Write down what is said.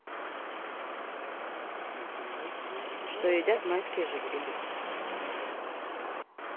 что едят майские жуки